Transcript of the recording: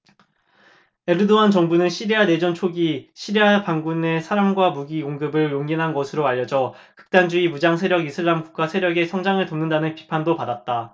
에르도안 정부는 시리아 내전 초기 시리아 반군에 사람과 무기 공급을 용인한 것으로 알려져 극단주의 무장세력 이슬람국가 세력의 성장을 돕는다는 비판도 받았다